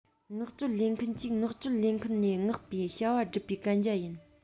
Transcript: མངགས བཅོལ ལེན མཁན གྱིས མངགས བཅོལ ལེན མཁན ནས མངགས པའི བྱ བ སྒྲུབ པའི གན རྒྱ ཡིན